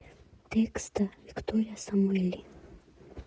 Տեքստը՝ Վիկտորյա Սամուելի։